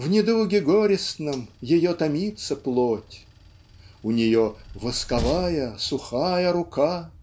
"В недуге горестном ее томится плоть", у нее "восковая сухая рука"